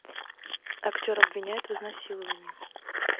актер обвиняет в изнасиловании